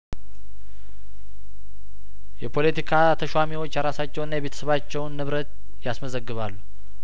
የፖለቲካ ተሿሚዎች የራሳቸውና የቤተሰባቸውን ንብረት ያስመዘግባሉ